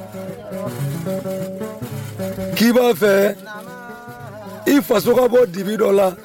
K'i b'a fɛ, naamu, i faso ka bɔ dibi dɔ la